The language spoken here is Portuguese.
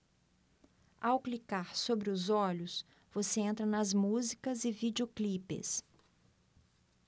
ao clicar sobre os olhos você entra nas músicas e videoclipes